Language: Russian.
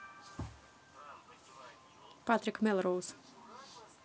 патрик мелроуз